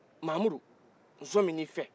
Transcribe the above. mahamudu n sɔmina i fɛ